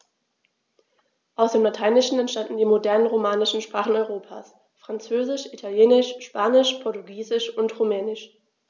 Aus dem Lateinischen entstanden die modernen „romanischen“ Sprachen Europas: Französisch, Italienisch, Spanisch, Portugiesisch und Rumänisch.